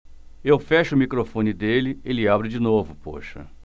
eu fecho o microfone dele ele abre de novo poxa